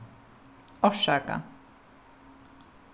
orsaka